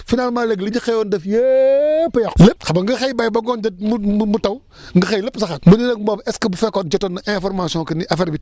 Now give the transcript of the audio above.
finalement léegi li ñu xëyoon def yëpp a yàqu lépp xam nga nga xëy béy bàyyi ba ngoon jot mu mu taw nga xëy lépp saxaat mu ni nag moom est ce bu fekkoon jotoon na information que ni affaire bi